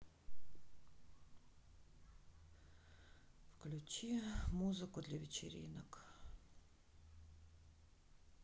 включи музыку для вечеринок